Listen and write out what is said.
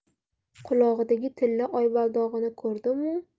qulog'idagi tilla oybaldog'ini ko'rdimu